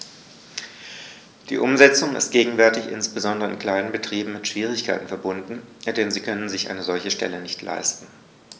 Die Umsetzung ist gegenwärtig insbesondere in kleinen Betrieben mit Schwierigkeiten verbunden, denn sie können sich eine solche Stelle nicht leisten.